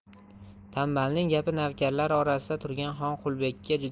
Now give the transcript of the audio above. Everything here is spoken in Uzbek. tanbalning gapi navkarlar orasida turgan xonqulibekka juda